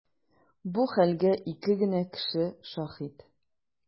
Бу хәлгә ике генә кеше шаһит.